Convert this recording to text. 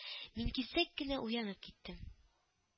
Мин кисәк кенә уянып киттем